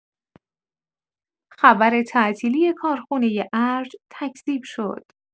خبر تعطیلی کارخونه ارج تکذیب شد!